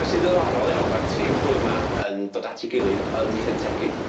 Be' sy ddiddorol iawn ma'r tri plwy 'ma yn dod at 'i gilydd yn Llyn Tegid.